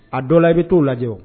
A dɔ la i bɛ t'o lajɛ